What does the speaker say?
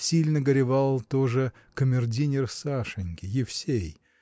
сильно горевал тоже камердинер Сашеньки, Евсей.